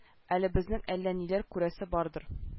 Әле безнең әллә ниләр күрәсе бардыр